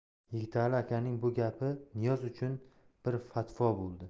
yigitali akaning bu gapi niyoz uchun bir fatvo bo'ldi